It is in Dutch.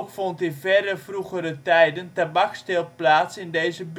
vond in verre vroegere tijden tabaksteelt plaats in deze